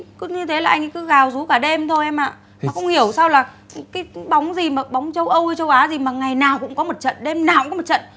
cứ như thế là anh ý cứ gào rú cả đêm thôi em ạ mà không hiểu sao là cái bóng gì mà bóng châu âu hay châu á ngày nào ngày nào cũng có một trận đêm nào cũng có một trận